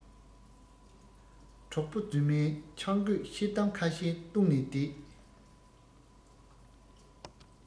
གྲོགས པོ རྫུན མས ཆང རྒོད ཤེལ དམ ཁ ཤས བཏུང ནས བསྡད